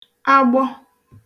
agbọ